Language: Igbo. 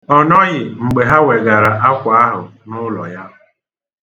Ọ nọghị mgbe ha wegara akwa ahụ n'ụlọ ya.